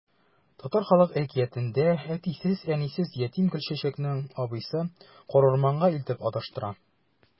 Татар халык әкиятендә әтисез-әнисез ятим Гөлчәчәкне абыйсы карурманга илтеп адаштыра.